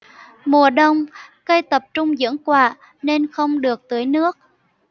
mùa đông cây tập trung dưỡng quả nên không được tưới nước